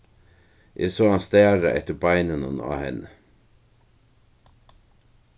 eg sá hann stara eftir beinunum á henni